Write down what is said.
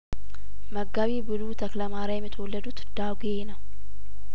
መጋቢ ብሉይ ተክለማሪያም የተወለዱት ዳጔ ነው